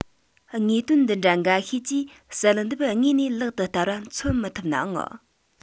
དངོས དོན འདི འདྲ འགའ ཤས ཀྱིས བསལ འདེམས དངོས གནས ལག ཏུ བསྟར བ མཚོན མི ཐུབ ནའང